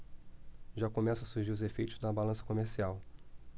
já começam a surgir os efeitos na balança comercial